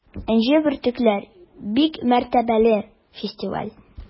“энҗе бөртекләре” - бик мәртәбәле фестиваль.